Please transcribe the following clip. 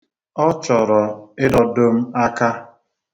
Ọ chọrọ idọdo m aka.